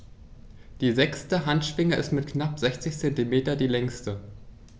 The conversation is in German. Die sechste Handschwinge ist mit knapp 60 cm die längste.